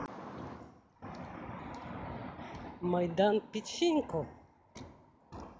майдан печеньку